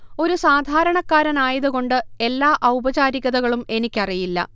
ഒരു സാധാരണക്കാരനായത് കൊണ്ട് എല്ലാ ഔപചാരികതകളും എനിക്കറിയില്ല